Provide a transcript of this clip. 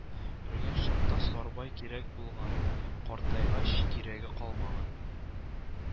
Өргән чакта Сарбай кирәк булган, картайгач кирәге калмаган